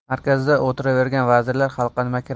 markazda o'tiravergan vazirlar xalqqa